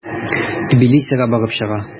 Тбилисига барып чыга.